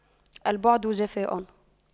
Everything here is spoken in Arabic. البعد جفاء